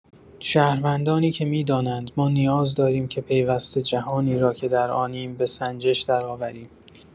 شهروندانی که می‌دانند ما نیاز داریم که پیوسته جهانی را که در آنیم به سنجش درآوریم.